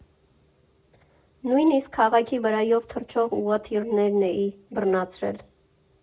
Նույնիսկ քաղաքի վրայով թռչող ուղղաթիռներն էի բռնացրել։